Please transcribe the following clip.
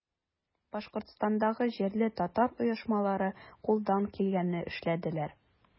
Башкортстандагы җирле татар оешмалары кулдан килгәнне эшләделәр.